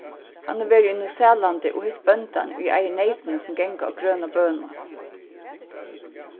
hann hevur verið í nýsælandi og hitt bóndan ið eigur neytini sum ganga á grøna bønum